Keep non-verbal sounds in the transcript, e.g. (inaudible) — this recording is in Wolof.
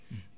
(hesitation) (hesitation)